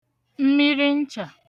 mmiri nchà